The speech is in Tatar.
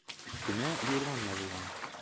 Өстемә юрган ябылган.